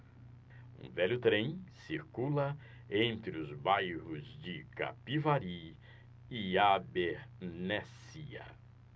um velho trem circula entre os bairros de capivari e abernéssia